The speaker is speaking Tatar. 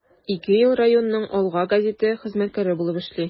Ике ел районның “Алга” гәзите хезмәткәре булып эшли.